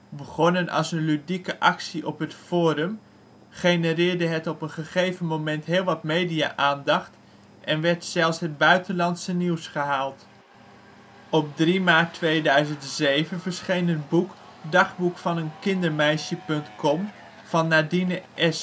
Begonnen als een ludieke actie op het forum, genereerde het op een gegeven moment heel wat media-aandacht en werd zelfs het buitenlandse nieuws gehaald. Op 3 maart 2007 verscheen het boek Dagboekvaneenkindermeisje.com van Nadine S., een